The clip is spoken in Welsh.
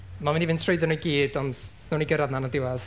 Ma'n mynd i fynd trwyddan nhw i gyd, ond wnawn ni gyrraedd yna yn y diwedd.